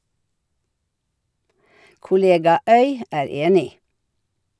Kollega Øy er enig.